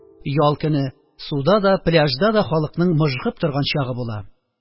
Ял көне, суда да, пляжда да халыкның мыжгып торган чагы була.